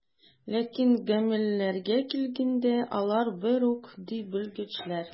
Ләкин гамәлләргә килгәндә, алар бер үк, ди белгечләр.